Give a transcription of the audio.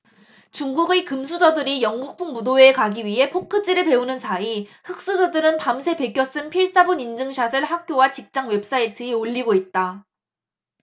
중국의 금수저들이 영국풍 무도회에 가기 위해 포크질을 배우는 사이 흑수저들은 밤새 베껴 쓴 필사본 인증샷을 학교와 직장 웹사이트에 올리고 있다